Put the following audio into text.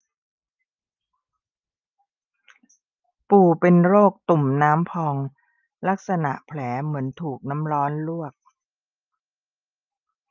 ปู่เป็นโรคตุ่มน้ำพองลักษณะแผลเหมือนถูกน้ำร้อนลวก